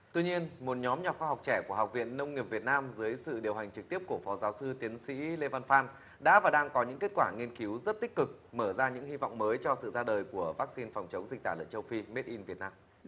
tuy nhiên một nhóm nhà khoa học trẻ của học viện nông nghiệp việt nam dưới sự điều hành trực tiếp của phó giáo sư tiến sĩ lê văn phan đã và đang có những kết quả nghiên cứu rất tích cực mở ra những hy vọng mới cho sự ra đời của vắc xin phòng chống dịch tả lợn châu phi mết in việt nam